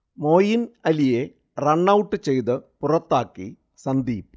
മോയിൻ അലിയെ റണ്ണൌട്ട് ചെയ്ത് പുറത്താക്കി സന്ദീപ്